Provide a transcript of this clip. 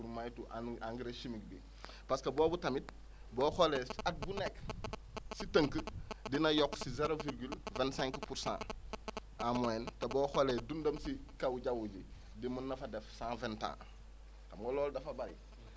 pour moytu eng engrais chimique bi parce que boobu tamit boo xoolee at bu nekk si tënk dina yokk si zero virgule vingt cinq pour cent en moyenne te boo xoolee dundam si kaw jaww ji di mun na fa def cent vingt ans xam nga loolu dafa bëri